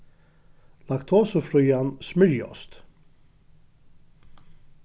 laktosufrían smyrjiost